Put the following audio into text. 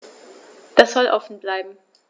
Das soll offen bleiben.